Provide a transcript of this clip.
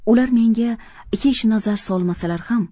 ular menga hech nazar solmasalar ham